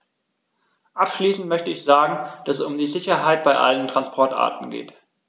Abschließend möchte ich sagen, dass es um die Sicherheit bei allen Transportarten geht.